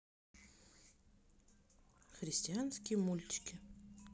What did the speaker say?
христианские мультики